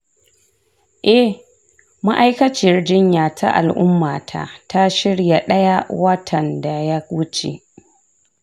eh, ma'aikaciyar jinya ta al'ummata ta shirya ɗaya watan da ya wuce.